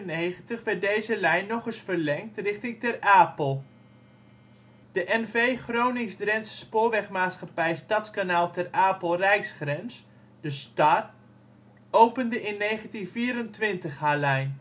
1895 werd deze lijn nog eens verlengd richting Ter Apel. De N.V. Gronings-Drentsche Spoorwegmaatschappij Stadskanaal-Ter Apel-Rijksgrens (STAR) opende in 1924 haar lijn